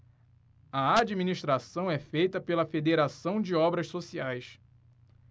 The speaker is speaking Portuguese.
a administração é feita pela fos federação de obras sociais